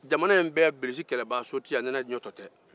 jamana in bɛɛ bilisi kɛlɛbaga so tɛ yan ni ne ɲɔɔtɔ tɛ